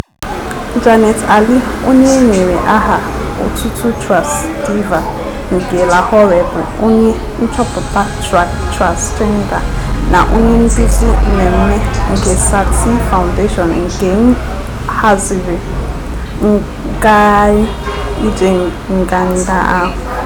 Jannat Ali, onye e nyere aha otutu Trans Diva nke Lahore, bụ onye nchọputa Track Transgender na Onye Nduzi Mmemme nke Sathi Foundation nke haziri Ngagharị Ije Nganga ahụ.